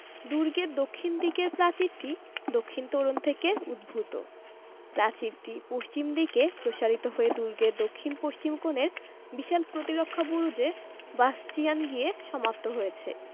দুর্গের দক্ষিণ দিকের প্রাচীরটি দক্ষিণ তোরণ থেকে উদ্ভূত প্রাচীরটি পশ্চিম দিকে প্রসারিত হয়ে দুর্গের দক্ষিণ পশ্চিম কোণের বিশাল প্রতিরক্ষা বুরুজে বাসচিয়ান গিয়ে সমাপ্ত হয়েছে